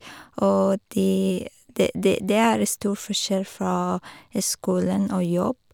Og de det det det er stor forskjell fra skolen og jobb.